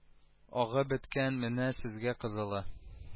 Агы беткән менә сезгә кызылы